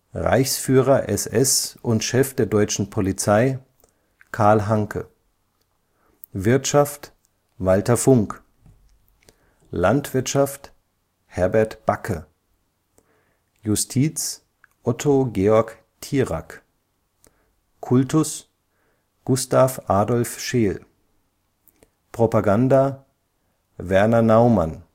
Reichsführer-SS und Chef der Deutschen Polizei: Karl Hanke Wirtschaft: Walther Funk Landwirtschaft: Herbert Backe Justiz: Otto Georg Thierack Kultus: Gustav Adolf Scheel Propaganda: Werner Naumann